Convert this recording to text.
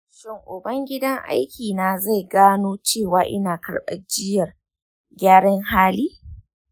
shin ubangidan aiki na zai gano cewa ina karɓar jiyyar gyaran hali?